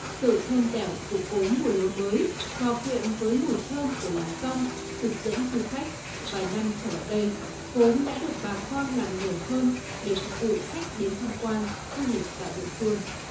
sự thơm dẻo của cốm mùa lúa mới hòa quyện với mùi thơm của lá dong thực dẫn du khách vài năm trở lại đây cốm đã được bà con làm nhiều hơn để phục vụ khách đến tham quan du lịch tại địa phương